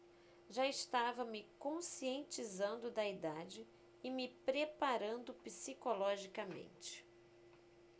já estava me conscientizando da idade e me preparando psicologicamente